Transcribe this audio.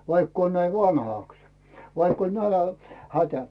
vaikka olen näin vanhaksi vaikka oli - nälänhätä